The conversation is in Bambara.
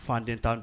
Fan tɛ tan